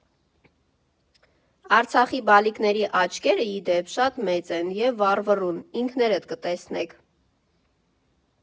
Արցախի բալիկների աչքերը, ի դեպ, շատ մեծ են և վառվռուն, ինքներդ կտեսնեք։